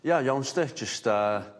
Ia iawn 'sti jyst yy...